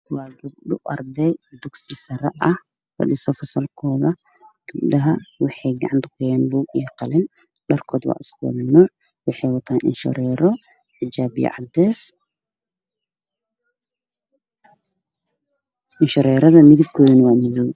Waa arday dugsi sare ah gabdhaha oo kujiro fasalkooda waxay gacanta kuhayaan buug iyo qalin dharkoodu waa isku mid xijaabo cadeys ah iyo indho shareer madow.